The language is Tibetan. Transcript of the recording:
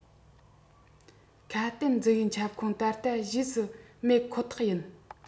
ཁ དན འཛིན ཡིག ཁྱབ ཁོངས ད ལྟ གཞིས སུ མེད ཁོ ཐག ཡིན